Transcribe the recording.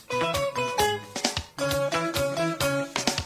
San ka